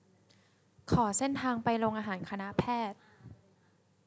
ขอเส้นทางไปโรงอาหารคณะแพทย์